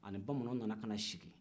a ni bamanan nana ka na sigi